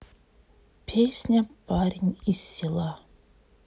песня парень из села